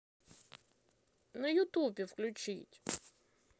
на ютубе включить